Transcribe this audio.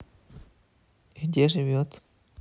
где живет